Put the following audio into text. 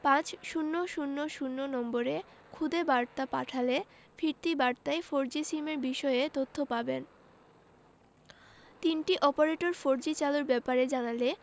পাঁচ শূণ্য শূণ্য শূণ্য নম্বরে খুদে বার্তা পাঠালে ফিরতি বার্তায় ফোরজি সিমের বিষয়ে তথ্য পাবেন তিনটি অপারেটর ফোরজি চালুর ব্যাপারে জানালে